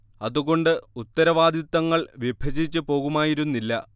അതുകൊണ്ട് ഉത്തരവാദിത്തങ്ങൾ വിഭജിച്ച് പോകുമായിരുന്നില്ല